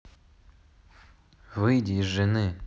выйди из жены